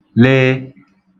l